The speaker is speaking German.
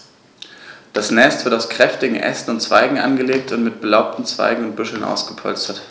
Das Nest wird aus kräftigen Ästen und Zweigen angelegt und mit belaubten Zweigen und Büscheln ausgepolstert.